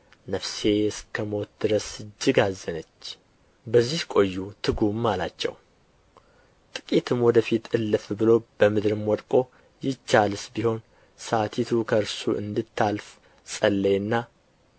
ነፍሴ እስከ ሞት ድረስ እጅግ አዘነች በዚህ ቈዩ ትጉም አላቸው ጥቂትም ወደ ፊት እልፍ ብሎ በምድርም ወድቆ ይቻልስ ቢሆን ሰዓቲቱ ከእርሱ እንድታልፍ ጸለየና